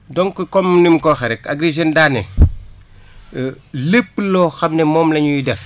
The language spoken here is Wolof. donc comme nim ko waxee rek Agri Jeunes daa ne lépp loo xam ne moom la ñuy def